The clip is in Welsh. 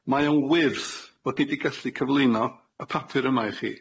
Mae o'n wyrth bod ni 'di gallu cyflwyno y papur yma i chi.